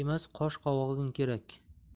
emas qosh qovog'ing kerak